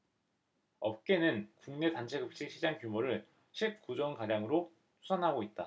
업계는 국내 단체급식 시장 규모를 십 구 조원가량으로 추산하고 있다